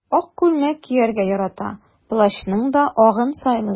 Ак күлмәк кияргә ярата, плащның да агын сайлый.